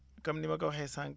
comme ni ma ko waxee sànq